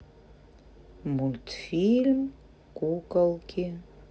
мультфильм куколки